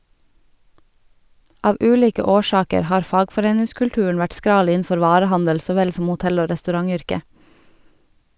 Av ulike årsaker har fagforeningskulturen vært skral innenfor varehandel så vel som hotell- og restaurantyrket.